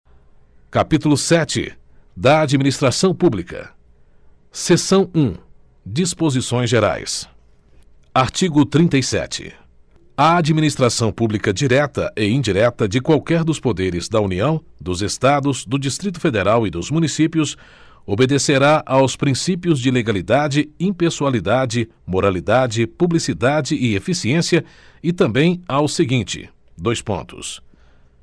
capítulo sete da administração pública seção um disposições gerais artigo trinta e sete a administração pública direta e indireta de qualquer dos poderes da união dos estados do distrito federal e dos municípios obedecerá aos princípios de legalidade impessoalidade moralidade publicidade e eficiência e também ao seguinte dois pontos